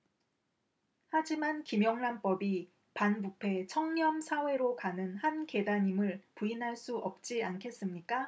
하지만 김영란법이 반부패 청렴 사회로 가는 한 계단임을 부인할 수 없지 않겠습니까